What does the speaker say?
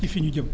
fi ñu jëm